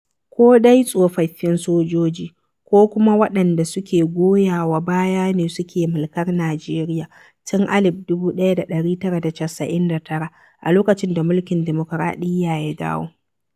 Ko dai tsofaffin sojoji ko kuma waɗanda suke goyawa baya ne suke mulkar Najeriya tun 1999 a lokacin da mulkin dimukuraɗiyya ya dawo.